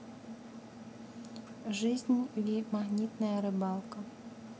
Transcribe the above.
жизнь ви магнитная рыбалка